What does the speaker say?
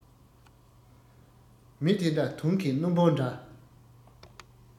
མི དེ འདྲ དུང གི སྣུག བུམ འདྲ